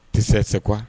Tɛ se se